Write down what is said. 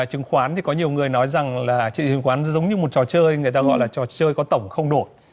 chứng khoán thì có nhiều người nói rằng là chơi chứng khoán giống như một trò chơi người ta gọi là trò chơi có tổng không đổi